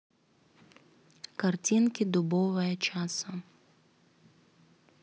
картинки дубовая часа